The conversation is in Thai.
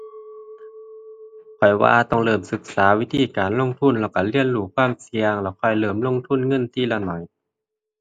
ข้อยว่าต้องเริ่มศึกษาวิธีการลงทุนแล้วก็เรียนรู้ความเสี่ยง แล้วค่อยเริ่มลงทุนเงินทีละน้อย